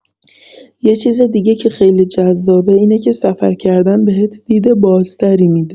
یه چیز دیگه که خیلی جذابه اینه که سفر کردن بهت دید بازتری می‌ده.